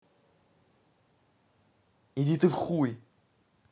иди ты в хуй